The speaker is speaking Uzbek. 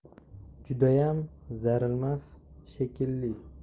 judayam zarilmas shekilli